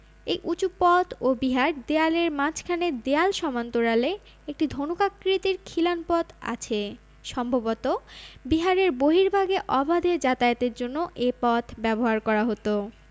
এই উঁচু পথ ও বিহার দেয়ালের মাঝখানে দেয়াল সমান্তরালে একটি ধনুকাকৃতির খিলান পথ আছে সম্ভবত বিহারের বর্হিভাগে অবাধে যাতায়াতের জন্য এ পথ ব্যবহার করা হতো